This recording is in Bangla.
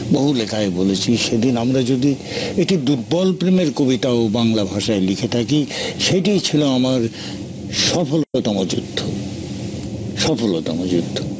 বহু লেখায় বলেছি সেদিন আমরা যদি একটি দুর্বল প্রেমের কবিতা ও বাংলা ভাষায় লিখে থাকি সেটি ছিল আমার সফলতম যুদ্ধ সফল তম যুদ্ধ